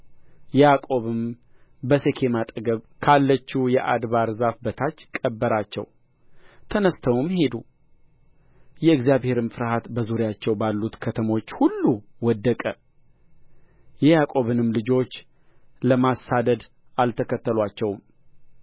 ያዕቆብም በሴኬም አጠገብ ካለችው የአድባር ዛፍ በታች ቀበራቸው ተነሥተውም ሄዱ የእግዚአብሔርም ፍርሃት በዙሪያቸው ባሉት ከተሞች ሁሉ ወደቀ የያዕቆብንም ልጆች ለማሳደድ አልተከተሉአቸውም